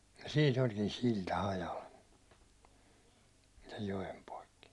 ja siinä olikin silta hajalla sen joen poikki